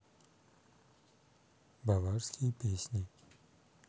баварские песни